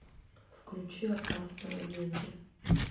включи опасного генри